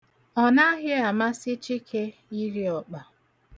Ọ naghị amasị Chike iri ọkpa.